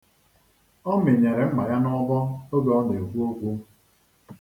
Ọ mịnyere mma ya n'ọbọ oge ọ na-ekwu okwu.